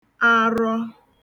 arọ